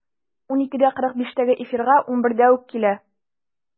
12.45-тәге эфирга 11-дә үк килә.